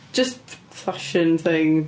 Jyst fashion thing.